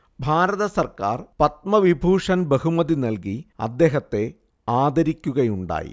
ഭാരത സർക്കാർ പദ്മവിഭൂഷൺ ബഹുമതി നല്കി അദ്ദേഹത്തെ ആദരിയ്ക്കുകയുണ്ടായി